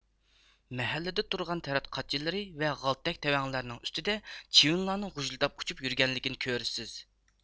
مەھەللىدە تۇرغان تەرەت قاچىلىرى ۋە غالتەك تەۋەڭلەرنىڭ ئۈستىدە چىۋىنلارنىڭ غۇژۇلداپ ئۇچۇپ يۈرگەنلىكىنى كۆرىسىز